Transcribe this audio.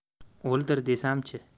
o'ldir desamchi